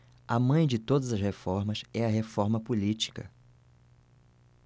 a mãe de todas as reformas é a reforma política